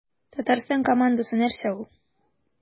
Татарстан командасы нәрсә ул?